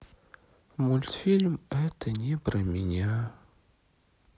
мультфильм это не про меня